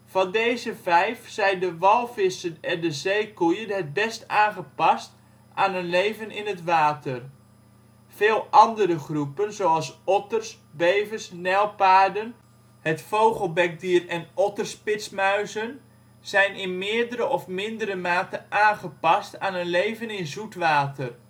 Van deze vijf zijn de walvissen en de zeekoeien het best aangepast aan een leven in het water. Veel andere groepen, zoals otters, bevers, nijlpaarden, het vogelbekdier en otterspitsmuizen, zijn in meerdere of mindere mate aangepast aan een leven in zoet water